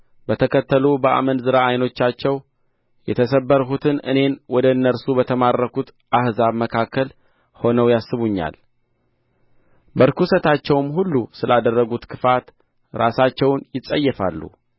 በተከተሉ በአመንዝራ ዓይኖቻቸው የተሰበርሁትን እኔን ወደ እነርሱ በተማረኩት አሕዛብ መካከል ሆነው ያስቡኛል በርኵሰታቸውም ሁሉ ስላደረጉት ክፋት ራሳቸውን ይጸየፋሉ